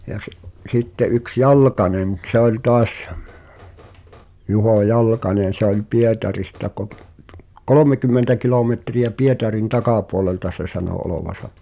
ja se sitten yksi Jalkanen mutta se oli taas Juho Jalkanen se oli Pietarista - kolmekymmentä kilometriä Pietarin takapuolelta se sanoi olevansa